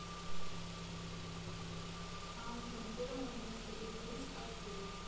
anthem первое место иркутск апрель